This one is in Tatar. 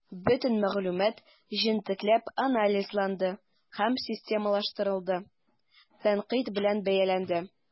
Бөтен мәгълүмат җентекләп анализланды һәм системалаштырылды, тәнкыйть белән бәяләнде.